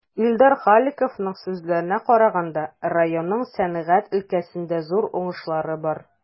Илдар Халиковның сүзләренә караганда, районның сәнәгать өлкәсендә зур уңышлары бар.